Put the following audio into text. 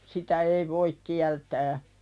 sitä ei voi kieltää